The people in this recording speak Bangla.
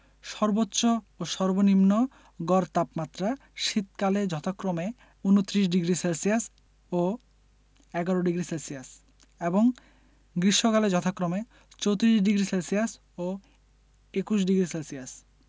সর্বোচ্চ ও সর্বনিম্ন গড় তাপমাত্রা শীতকালে যথাক্রমে ২৯ ডিগ্রি সেলসিয়াস ও ১১ডিগ্রি সেলসিয়াস এবং গ্রীষ্মকালে যথাক্রমে ৩৪ডিগ্রি সেলসিয়াস ও ২১ডিগ্রি সেলসিয়াস